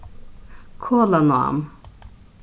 kolanám